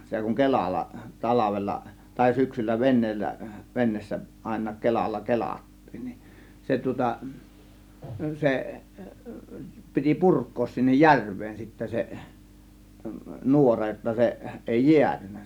se kun kelalla talvella tai syksyllä veneellä veneessä ainakin kelalla kelattiin niin se tuota se piti purkaa sinne järveen sitten se nuora jotta se ei jäätynyt